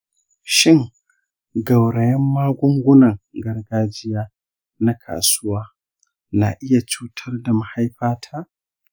shin gaurayen magungunan gargajiya na kasuwa na iya cutar da mahaifata?